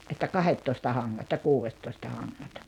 että kahdettoista hangat ja kuudettoista hangat